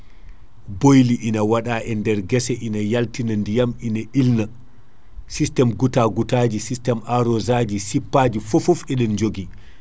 boyli ina waɗa nder guesse ina yaltina ndiyam ine ilna systéme goute à goute aji systéme arrosage ji sippa ji fofoof